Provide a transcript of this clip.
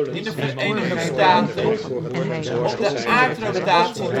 in de Verenigde Staten om de aardrotatie